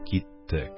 Киттек